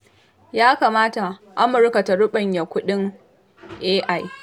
Ya kamata Amurka ta ruɓanya kuɗin A.I.